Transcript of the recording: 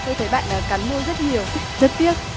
tôi thấy bạn cắn môi rất nhiều rất tiếc